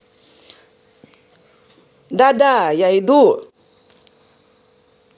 да да я иду